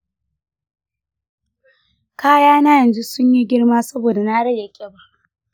kaya na yanzu sunyi girma saboda na rage ƙiba